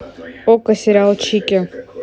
окко сериал чики